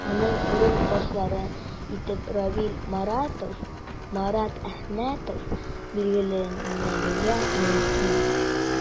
Аның урынбасарлары итеп Равил Моратов, Марат Әхмәтов билгеләнергә мөмкин.